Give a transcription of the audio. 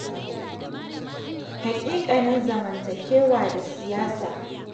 Haƙiƙanin zamantakewa da siyasa